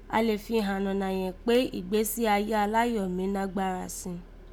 A lè fi hàn nọ̀nà yẹ̀n kpé ìgbésí ayé aláyọ̀ mí nágbára si